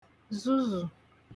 zuzu